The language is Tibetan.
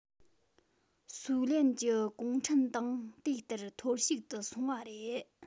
སུའུ ལེན གྱི གུང ཁྲན ཏང དེ ལྟར ཐོར ཞིག ཏུ སོང བ རེད